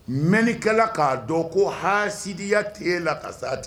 Mnikɛla k'a dɔn ko hasidiya tɛ la ka sa tigɛ